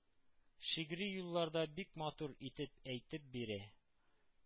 Шигъри юлларда бик матур итеп әйтеп бирә: